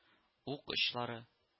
Ук очлары